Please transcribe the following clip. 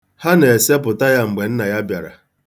Ha na-esepụta ya mgbe nna ya bịara.